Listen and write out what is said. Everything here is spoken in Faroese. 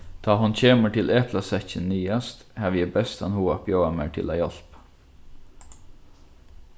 tá hon kemur til eplasekkin niðast havi eg bestan hug at bjóða mær til at hjálpa